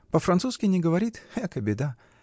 По-французски но говорит, -- эка беда!